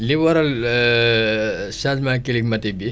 li waral changement climatique bi